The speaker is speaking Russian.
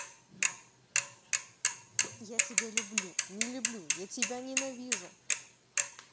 я тебя люблю не люблю я тебя ненавижу